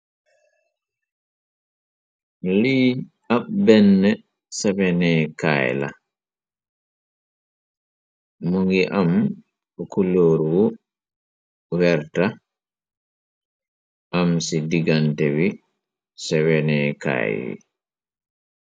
Lii ab benn sawene kaay la mu ngi am kuloor wu werta am ci digante wi sawene kaay yi.